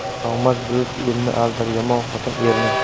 yog'mas bulut elni aldar yomon xotin erni